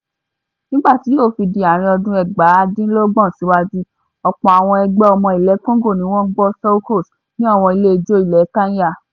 Nígbà tí yóò fi di ààrin ọdún 1970 síwájú, ọ̀pọ̀ àwọn ẹgbẹ́ ọmọ ilẹ̀ Congo ni wọ́n ń gbọ́ soukous ní àwọn ilé-ijó ilẹ̀ Kenya.